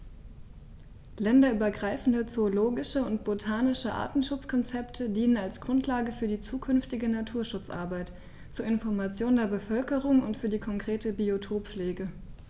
Länderübergreifende zoologische und botanische Artenschutzkonzepte dienen als Grundlage für die zukünftige Naturschutzarbeit, zur Information der Bevölkerung und für die konkrete Biotoppflege.